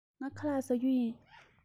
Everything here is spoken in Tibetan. ངས ཁ ལག བཟས མེད